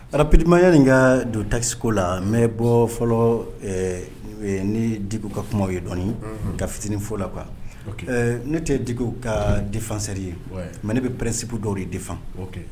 Arapkidimaya nin ka don takisoko la n bɛ bɔ fɔlɔ ne di ka kuma ye dɔni ka fitinin fɔ la qu ne tɛ di ka difasɛri ye mɛ ne bɛ pɛsip dɔw de defan